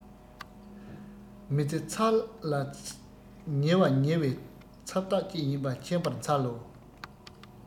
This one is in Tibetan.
མི ཚེ ཚར ལ ཉེ བ ཉེ བའི ཚབ རྟགས ཅིག ཡིན པ མཁྱེན པར འཚལ ལོ